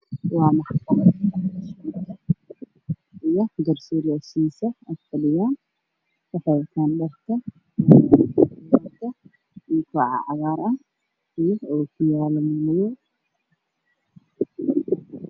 Waa maxkamad waxaa jooga niman ciidan oo wataan dhar madow oo ka dambeeya boor